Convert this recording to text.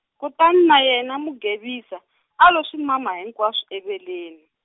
kutani na yena Mugevisa, a lo swi mama hinkwaswo eveleni.